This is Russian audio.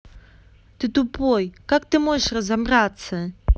ты тупой как ты можешь разобраться